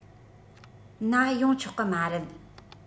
ན ཡོང ཆོག གི མ རེད